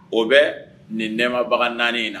O bɛ nin nɛmabaga naani in na